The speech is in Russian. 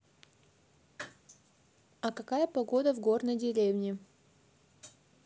а какая погода в горной деревне